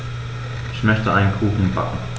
Ich möchte einen Kuchen backen.